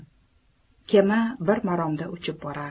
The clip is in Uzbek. kema bir maromda uchib borar